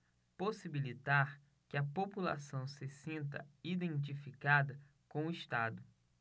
possibilitar que a população se sinta identificada com o estado